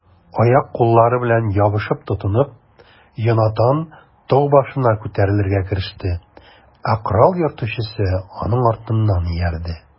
Аяк-куллары белән ябышып-тотынып, Йонатан тау башына күтәрелергә кереште, ә корал йөртүчесе аның артыннан иярде.